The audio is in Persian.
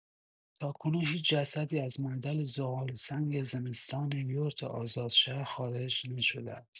تاکنون هیچ جسدی از معدن زغال‌سنگ زمستان یورت آزادشهر خارج نشده است.